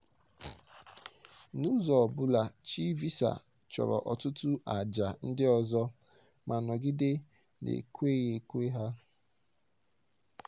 N'ụzọ ọbụla chi visa chọrọ ọtụtụ àjà ndị ọzọ, ma nọgide n'ekweghịekwe ha.